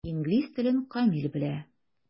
Инглиз телен камил белә.